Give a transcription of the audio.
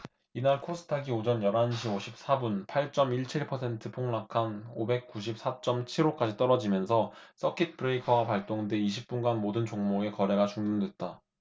이날 코스닥이 오전 열 한 시 오십 사 분 팔 쩜 일 칠 퍼센트 폭락한 오백 구십 사 쩜 칠 오 까지 떨어지면서 서킷 브레이커가 발동돼 이십 분간 모든 종목의 거래가 중단됐다